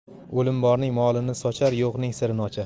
o'lim borning molini sochar yo'qning sirini ochar